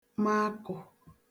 makụ̀